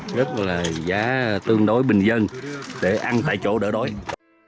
rất là giá tương đối bình dân để ăn tại chỗ đỡ đói